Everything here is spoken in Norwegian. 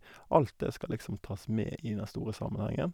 Alt det skal liksom tas med i den store sammenhengen.